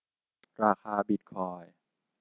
ราคาบิทคอยน์